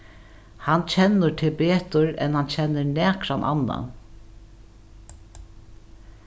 hann kennir teg betur enn hann kennir nakran annan